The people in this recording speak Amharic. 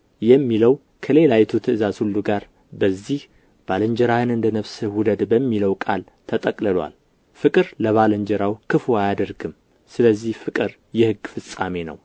የሚለው ከሌላይቱ ትእዛዝ ሁሉ ጋር በዚህ ባልንጀራህን እንደ ነፍስህ ውደድ በሚለው ቃል ተጠቅልሎአል ፍቅር ለባልንጀራው ክፉ አያደርግም ስለዚህ ፍቅር የሕግ ፍጻሜ ነው